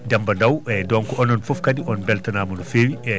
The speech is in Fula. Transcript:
Demba ndaw donc onoon fof kadi on beltanama no fewi e